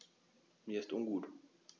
Mir ist ungut.